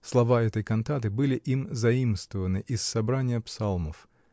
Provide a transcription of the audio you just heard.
Слова этой кантаты были им заимствованы из собрания псалмов